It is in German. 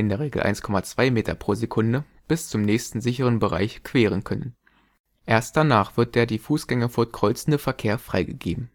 Regel 1,2 m/s) bis zum nächsten sicheren Bereich queren können. Erst danach wird der die Fußgängerfurt kreuzende Verkehr freigegeben